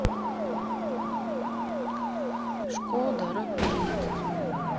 шкода рапид